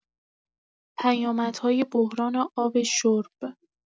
پیامدهای بحران آب شرب